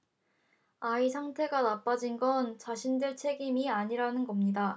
아이 상태가 나빠진 건 자신들 책임이 아니라는 겁니다